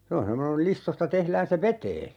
se on semmoinen kuin listoista tehdään se veteen